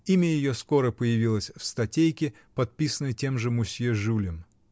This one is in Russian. имя ее скоро появилось в статейке, подписанной тем же мусье Жюлем.